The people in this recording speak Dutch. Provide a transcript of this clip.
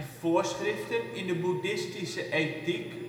Voorschriften in de Boeddhistischte Ethiek